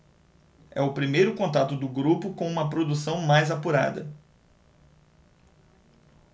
é o primeiro contato do grupo com uma produção mais apurada